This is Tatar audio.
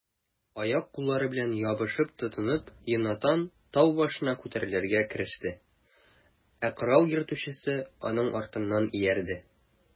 Аяк-куллары белән ябышып-тотынып, Йонатан тау башына күтәрелергә кереште, ә корал йөртүчесе аның артыннан иярде.